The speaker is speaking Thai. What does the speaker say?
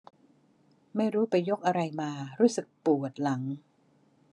ไม่รู้ไปยกอะไรมารู้สึกปวดหลัง